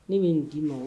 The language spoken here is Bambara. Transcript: Ne bɛ n d dii ma